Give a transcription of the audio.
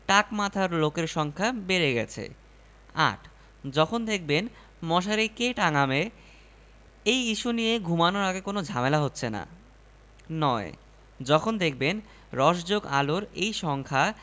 ভুল বোঝার পরে ভালো বেতনে সরকারি চাকরি করা ছেলেকে নিয়ে বাবা গেল পাত্রী দেখতে দেখা শেষে পাত্রীপক্ষ প্রশ্ন করল পাত্রী তো দেখলেন তা আপনার ছেলে এখন কী করে